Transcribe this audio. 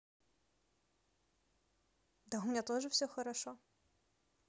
да у меня тоже все хорошо